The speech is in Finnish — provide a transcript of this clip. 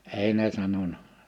ei ne sanonut